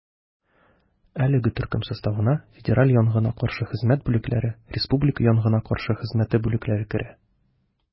Әлеге төркем составына федераль янгынга каршы хезмәте бүлекләре, республика янгынга каршы хезмәте бүлекләре керә.